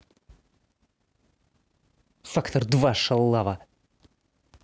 фактор два шалава